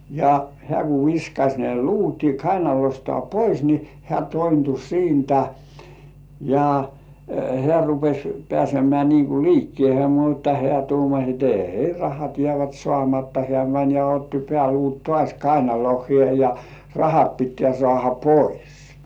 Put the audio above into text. ja hän kun viskasi ne luut kainalostaan pois niin hän tointui siitä ja hän rupesi pääsemään niin kuin liikkeeseen mutta hän tuumasi että ei rahat jäävät saamatta hän meni ja otti pääluut taas kainaloihinsa ja rahat pitää saada pois